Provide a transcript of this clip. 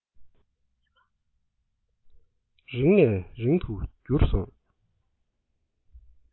རིང ནས རིང དུ གྱུར སོང